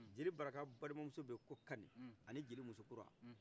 jeli baaraka balima muso beyi ko kani ani jeli musokura